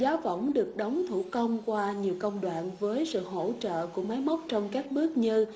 giá võng được đóng thủ công qua nhiều công đoạn với sự hỗ trợ của máy móc trong các bước như